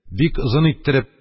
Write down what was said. Бик озын иттереп